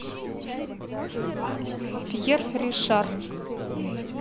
пьер ришар